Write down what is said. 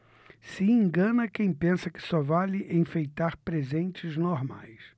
se engana quem pensa que só vale enfeitar presentes normais